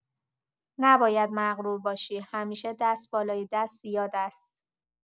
نباید مغرور باشی، همیشه دست بالای دست زیاد است.